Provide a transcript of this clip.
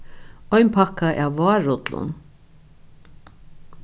ein pakka av várrullum